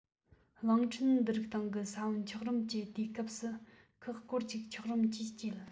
གླིང ཕྲན འདི རིགས སྟེང གི ས བོན འཁྱགས རོམ གྱི དུས སྐབས སུ ཁག སྐོར ཅིག འཁྱགས རོམ གྱིས བསྐྱེལ